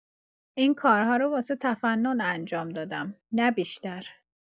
این کارها رو واسه تفنن انجام دادم، نه بیشتر!